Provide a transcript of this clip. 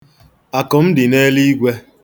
Akụ m dị n'eluigwe.